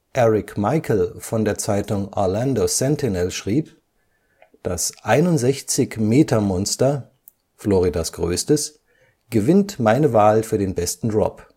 Eric Michael von der Zeitung Orlando Sentinel schrieb: „ Das 61-Meter-Monster, Floridas größtes, gewinnt meine Wahl für den besten Drop